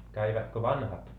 kävivätkö vanhat